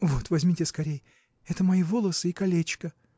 – Вот возьмите скорей: это мои волосы и колечко.